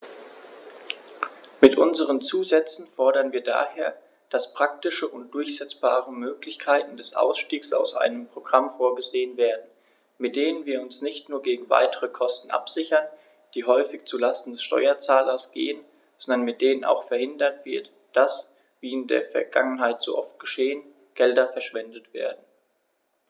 Mit unseren Zusätzen fordern wir daher, dass praktische und durchsetzbare Möglichkeiten des Ausstiegs aus einem Programm vorgesehen werden, mit denen wir uns nicht nur gegen weitere Kosten absichern, die häufig zu Lasten des Steuerzahlers gehen, sondern mit denen auch verhindert wird, dass, wie in der Vergangenheit so oft geschehen, Gelder verschwendet werden.